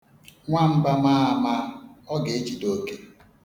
Nwamba maa ama, ọ ga-ejide oke.